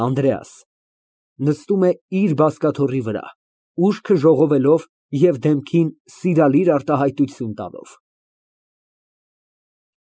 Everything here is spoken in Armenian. ԱՆԴՐԵԱՍ ֊ (Նստում է իր բազկաթոռի վրա, ուշքը ժողովելով և դեմքին սիրալիր արտահայտություն տալով)։